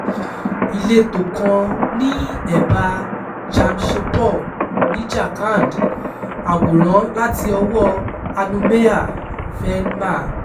Ìletò kan ní ẹ̀báa Jamshedpur ní Jharkhand. Àwòrán láti ọwọ́ọ Anumeha Verma